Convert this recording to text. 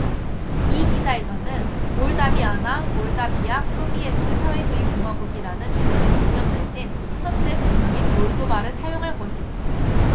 이 기사에서는 몰다비아나 몰다비아 소비에트 사회주의 공화국이라는 이전의 국명 대신 현재 국명인 몰도바를 사용할 것임